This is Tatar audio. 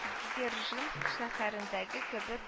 Дзержинск шәһәрендәге кебек